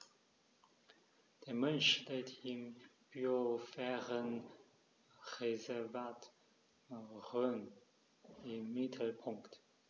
Der Mensch steht im Biosphärenreservat Rhön im Mittelpunkt.